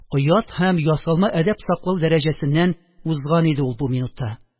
Оят һәм ясалма әдәп саклау дәрәҗәсеннән узган иде ул бу минутта